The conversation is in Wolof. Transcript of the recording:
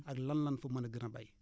ak lan lan fa mën a gën a bay